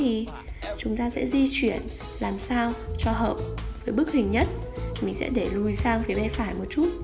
và sau đó thì chúng ta sẽ di chuyển làm sao cho hợp với bức hình nhất mình sẽ để lùi sang phía bên phải một chút